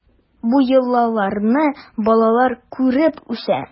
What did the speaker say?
Бу йолаларны балалар күреп үсә.